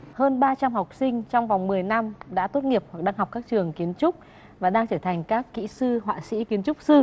hơn ba trăm học sinh trong vòng mười năm đã tốt nghiệp hoặc đang học các trường kiến trúc và đang trở thành các kỹ sư họa sĩ kiến trúc sư